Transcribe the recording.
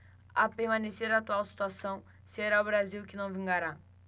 a permanecer a atual situação será o brasil que não vingará